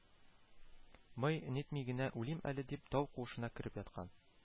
Мый-нитми генә үлим әле дип, тау куышына кереп яткан